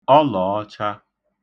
ọlọ̀ọcha